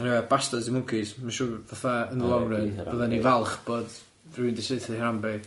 Anyway, bastards di mwncis, dwi'n siwr fatha, yn y long run, fyddan ni falch bod, rhywun di saethu i Hanbe.